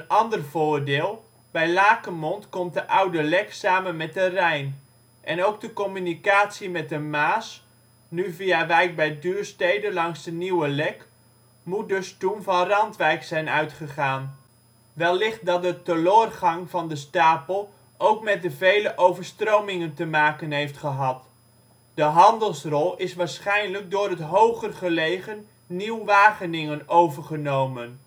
ander voordeel: bij Lakemond komt de Oude Lek samen met de Rijn, en ook de communicatie met de Maas (nu via Wijk bij Duurstede langs de Nieuwe Lek) moet dus toen van Randwijk zijn uitgegaan. Wellicht dat de teloorgang van de stapel ook met de (vele) overstromingen te maken heeft gehad. De handelsrol is waarschijnlijk door het hoger gelegen (Nieuw) Wageningen overgenomen